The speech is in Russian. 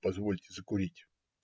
- Позвольте закурить.